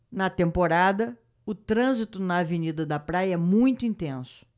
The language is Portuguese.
na temporada o trânsito na avenida da praia é muito intenso